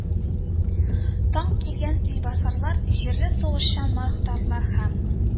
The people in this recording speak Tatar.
Тан килгән илбасарлар, җирле сугышчан маратхалар һәм